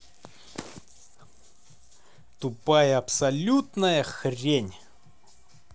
тупая абсолютная хрень